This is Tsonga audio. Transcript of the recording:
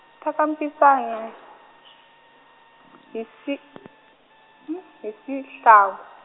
ta ka Mpisane, hi si hi Sihlangu.